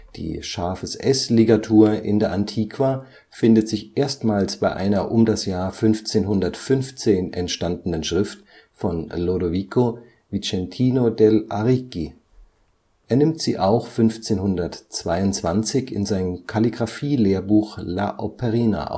Die ß-Ligatur in der Antiqua findet sich erstmals bei einer um das Jahr 1515 entstandenen Schrift von Lodovico Vicentino degli Arrighi. Er nimmt sie auch 1522 in sein Kalligrafielehrbuch La Operina